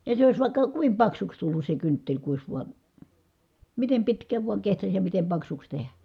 ja se olisi vaikka kuinka paksuksi tullut se kynttilä kun olisi vain miten pitkään vain kehtasi ja miten paksuksi tehdä